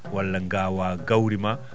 walla ngaawaa gawri ma